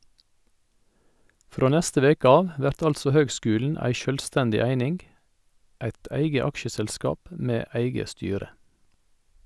Frå neste veke av vert altså høgskulen ei sjølvstendig eining, eit eige aksjeselskap med eige styre.